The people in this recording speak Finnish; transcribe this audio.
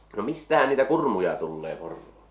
no mistähän niitä kurmuja tulee poroon